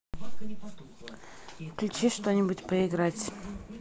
включи что нибудь поиграть